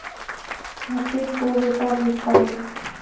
смотреть голую павлик павлик